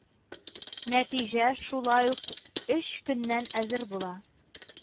Нәтиҗә шулай ук өч көннән әзер була ещё раз